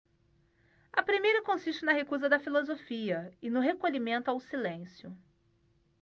a primeira consiste na recusa da filosofia e no recolhimento ao silêncio